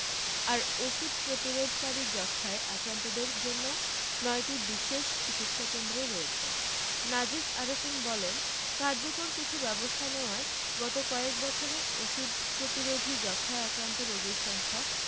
আর ওষুধ প্রতিরোধী যক্ষ্মায় আক্রান্তদের জন্য ৯টি বিশেষ চিকিৎসাকেন্দ্র রয়েছে নাজিস আরেফিন বলেন কার্যকর কিছু ব্যবস্থা নেয়ায় গত কয়েক বছরে ওষুধ প্রতিরোধী যক্ষ্মায় আক্রান্ত রোগীর সংখ্যা